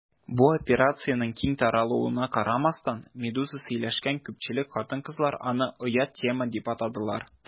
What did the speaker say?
Бу операциянең киң таралуына карамастан, «Медуза» сөйләшкән күпчелек хатын-кызлар аны «оят тема» дип атадылар.